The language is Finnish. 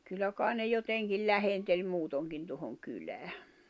kyllä kai ne jotenkin lähenteli muutenkin tuohon kylään